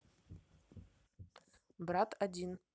брат один